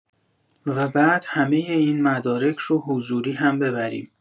و بعد همۀ این مدارک رو حضوری هم ببریم